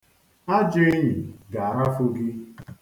Ajọ enyi ga-arafu gị.